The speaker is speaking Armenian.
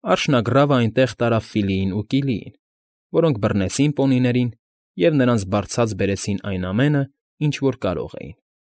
Արջնագռվան այնտեղ տարավ Ֆիլիին ու Կիլիին, որոնք բռնեցին պոնիներին և նրանց բարձած բերեցին այն ամենը, ինչ որ կարող էին։